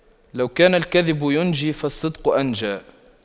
لو كان الكذب ينجي فالصدق أنجى